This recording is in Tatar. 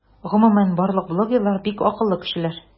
Гомумән барлык блогерлар - бик акыллы кешеләр.